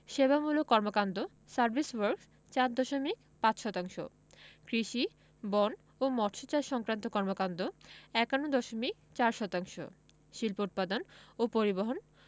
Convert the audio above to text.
সেবামূলক কর্মকান্ড service works ৪ দশমিক ৫ শতাংশ কৃষি বন ও মৎসচাষ সংক্রান্ত কর্মকান্ড ৫১ দশমিক ৪ শতাংশ শিল্প উৎপাদন ও পরিবহণ